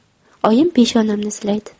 oyim peshonamni silaydi